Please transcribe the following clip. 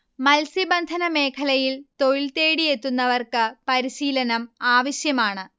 മത്സ്യബന്ധന മേഖലയിൽ തൊഴിൽതേടി എത്തുന്നവർക്ക് പരിശീലനം ആവശ്യമാണ്